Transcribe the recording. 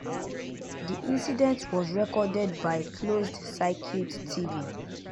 The incident was recorded by closed-circuit TV.